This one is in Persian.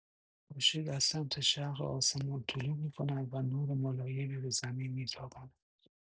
خورشید از سمت شرق آسمان طلوع می‌کند و نور ملایمی به زمین می‌تاباند.